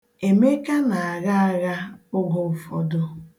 Emeka na-agha agha oge ụfọdụ.